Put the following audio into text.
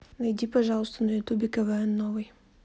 найди пожалуйста на ютубе квн новый